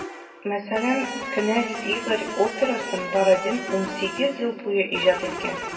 Мәсәлән, «Кенәз Игорь» операсын Бородин 18 ел буе иҗат иткән.